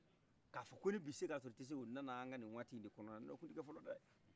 k'a fɔne bise kasɔrɔ i tese o nana anga ni watin de kɔnɔna ɲɔdai o tun te kai fɔlɔdai